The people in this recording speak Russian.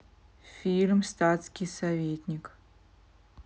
фильм статский советник